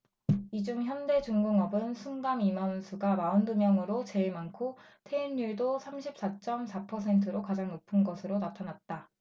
이 중 현대중공업은 순감 임원수가 마흔 두 명으로 제일 많고 퇴임률도 삼십 사 쩜 사 퍼센트로 가장 높은 것으로 나타났다